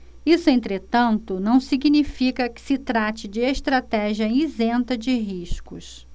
isso entretanto não significa que se trate de estratégia isenta de riscos